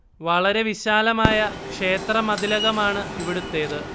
വളരെ വിശാലമായ ക്ഷേത്ര മതിലകമാണിവിടുത്തേത്